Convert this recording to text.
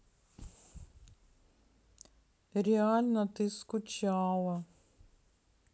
реально ты скучала